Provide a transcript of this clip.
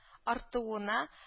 Артуына